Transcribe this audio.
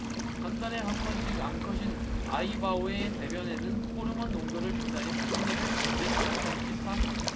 한 달에 한 번씩 암컷인 아이바오의 대변에서 호르몬 농도를 조사해 생리를 언제 시작할지 파악한다